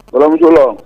Baramuso la